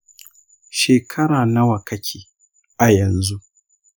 shekara nawa kake a yanzu?